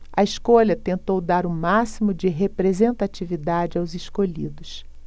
a escolha tentou dar o máximo de representatividade aos escolhidos